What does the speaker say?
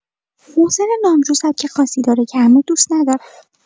محسن نامجو سبک خاصی داره که همه دوست ندارن.